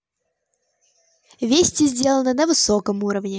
вести сделано на высоком уровне